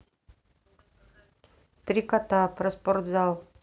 три кота про спортзал